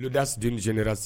L'audace d'une général